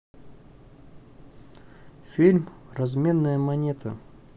фильм разменная монета